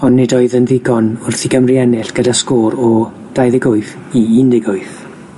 ond nid oedd yn ddigon wrth i Gymru ennill gyda sgôr o dau ddeg wyth i un deg wyth/